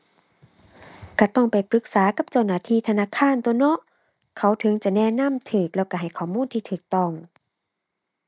ก็ต้องไปปรึกษากับเจ้าหน้าที่ธนาคารตั่วเนาะ เขาถึงจะแนะนำก็แล้วก็ให้ข้อมูลที่ก็ต้อง